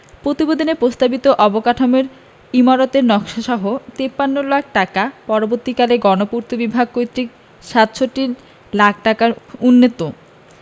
প্রতিবেদনে প্রস্তাবিত অবকাঠামোর ইমারতের নকশাসহ ৫৩ লাখ টাকা পরবর্তীকালে গণপূর্ত বিভাগ কর্তৃক ৬৭ লাখ ঢাকায় উন্নীত